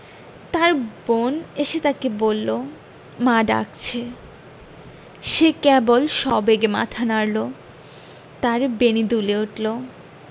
তার বোন এসে তাকে বলল মা ডাকছে সে কেবল সবেগে মাথা নাড়ল তার বেণী দুলে উঠল